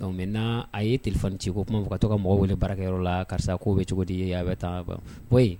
Donc maintenant a ye téléphone ci o kuma mun fɔ ka tɔ ka mɔgɔ wele baarakɛyɔrɔ la karisa ko bɛ cogodi ? Ee a bɛ taan